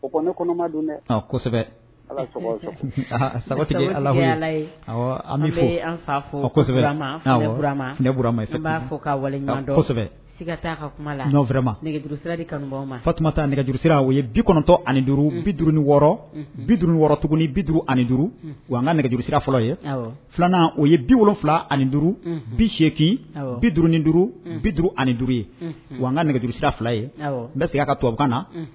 Nɛgɛjurusira u ye bikɔnɔtɔ ani duuru bid wɔɔrɔ bid wɔɔrɔt bi duuru ani duuru ka nɛgɛurusira fɔlɔ ye filanan u ye bi wolo wolonwula ani duuru bi seeki bi duuru duuru bi duuru ani duuru ka nɛgɛurusira fila ye n bɛ segin ka tobabu kan na